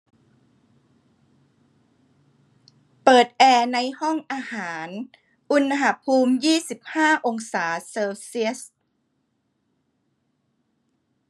เปิดแอร์ในห้องอาหารอุณหภูมิยี่สิบห้าองศาเซลเซียส